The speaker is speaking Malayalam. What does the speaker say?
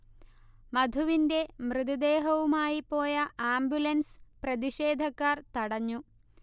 മധുവിന്റെ മൃതദേഹവുമായി പോയ ആംബുലൻസ് പ്രതിഷേധക്കാർ തടഞ്ഞു